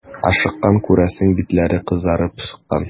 Ашыккан, күрәсең, битләре кызарып чыккан.